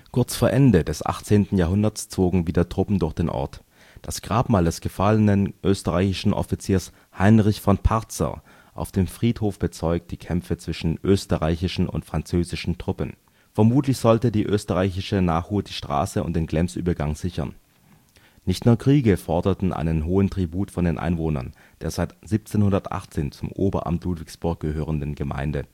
Kurz vor Ende des 18. Jahrhunderts zogen wieder Truppen durch den Ort. Das Grabmal des gefallenen österreichischen Offiziers Heinrich von Parzer auf dem Friedhof bezeugt die Kämpfe zwischen österreichischen und französischen Truppen. Vermutlich sollte die österreichische Nachhut die Straße und den Glemsübergang sichern. Nicht nur Kriege forderten einen hohen Tribut von den Einwohnern der seit 1718 zum Oberamt Ludwigsburg gehörenden Gemeinde